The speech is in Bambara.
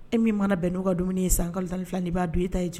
E min mana bɛn n'u ka dumuni ye san kalo tan fila ni b'a don i ta ye cɛ